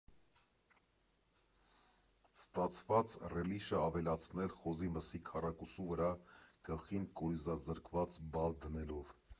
Ստացված ռելիշը ավելացնել խոզի մսի քառակուսու վրա՝ գլխին կորիզազրկված բալ դնելով։